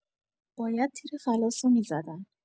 باید تیر خلاص می‌زدن.